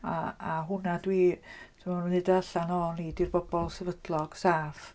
A, a hwnna dwi... tibod maen nhw'n wneud o allan "o ni ydy'r bobl sefydlog, saff".